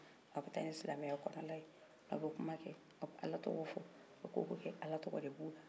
aw be kuma kɛ aw be ala tɔgɔw fɔ aw be ko wo ko kɛ ala tɔgɔ de b'u la